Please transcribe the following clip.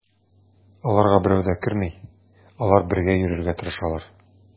Аларга берәү дә керми, алар бергә йөрергә тырышалар.